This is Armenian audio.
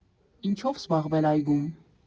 Ինչո՞վ զբաղվել այգում։